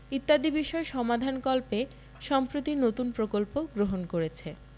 ইত্যাদি বিষয় সমাধানকল্পে সম্প্রতি নতুন প্রকল্প গ্রহণ করেছে